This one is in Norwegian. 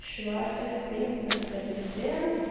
Svær festning som heter Fredriksten.